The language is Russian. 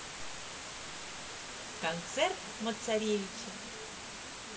концерт мацаревича